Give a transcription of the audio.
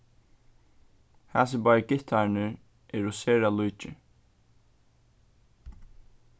hasir báðir gittararnir eru sera líkir